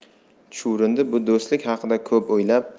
chuvrindi bu do'stlik haqida ko'p o'ylab